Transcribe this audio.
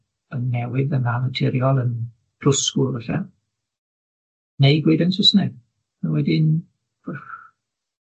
yn newydd, yn annaturiol, yn drwsgwl falle, neu gweud yn Saesneg, a wedyn